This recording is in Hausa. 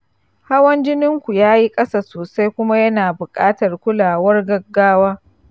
hawan jininku yayi ƙasa sosai kuma ya na buƙatare kulawar gaggawa